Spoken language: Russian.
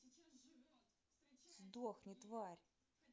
сдохни тварь